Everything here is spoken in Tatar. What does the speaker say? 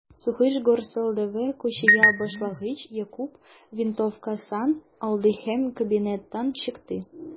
Сугыш гөрселдәве көчәя башлагач, Якуб винтовкасын алды һәм кабинеттан чыкты.